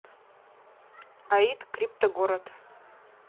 аид криптогород